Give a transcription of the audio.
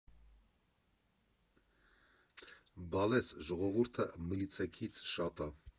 ֊ Բալես, ժողովուրդը մլիցեքից շատ ա։